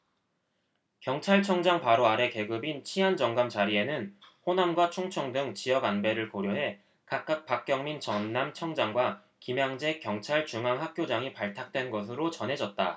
경찰청장 바로 아래 계급인 치안정감 자리에는 호남과 충청 등 지역 안배를 고려해 각각 박경민 전남청장과 김양제 경찰중앙학교장이 발탁된 것으로 전해졌다